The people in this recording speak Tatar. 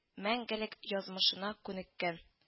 Мәңгелек язмышына күнеккән